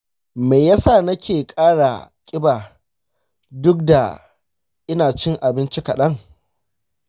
me ya sa nake ƙara kiba duk da ina cin abinci kaɗan?